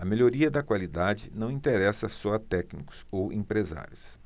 a melhoria da qualidade não interessa só a técnicos ou empresários